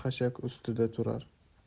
xashak ostida turar